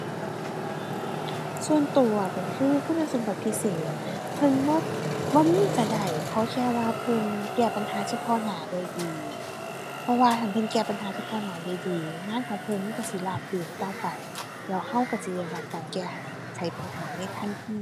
ส่วนตัวก็คือคุณสมบัติพิเศษ เพิ่นบ่ บ่มีก็ได้ ขอแค่ว่าเพิ่นแก้ปัญหาเฉพาะหน้าได้ดี เพราะว่าคันเพิ่นแก้ปัญหาเฉพาะได้ดี งานของเพิ่นมันก็สิราบรื่นต่อไป แล้วก็ก็สิได้รับการแก้ไขปัญหาในทันที